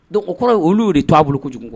Donc o kɔrɔ olu y'o de to a bolo kojugu quoi